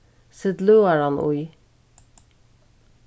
set løðaran í